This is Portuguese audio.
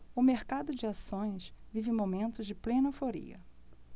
o mercado de ações vive momentos de plena euforia